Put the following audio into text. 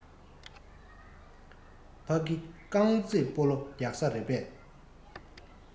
ཕ གི རྐང རྩེད སྤོ ལོ རྒྱག ས རེད པས